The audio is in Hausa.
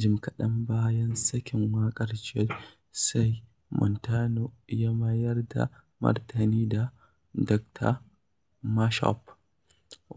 Jim kaɗan bayan sakin waƙar George, sai Montano ya mayar da martani da "Dr. Mashup",